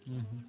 %hu